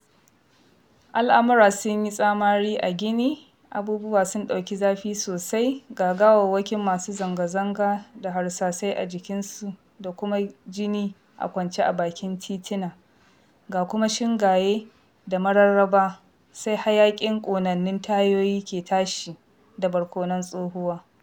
Al'amura sun yi tsamari a Gini, abubuwa sun ɗauki zafi sosai, ga gawawwakin masu zanga-zanga da harsasai a jikinsu da kuma jini a kwance a bakin titina, ga kuma shingaye da mararraba sai hayaƙin ƙonannun tayoyi ke tashi da barkonon tsohuwa.